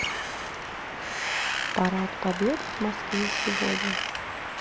парад победы в москве сегодня